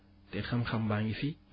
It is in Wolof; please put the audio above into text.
te xam-xam baa ngi fi